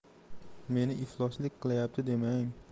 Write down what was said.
meni ifloslik qilyapti demang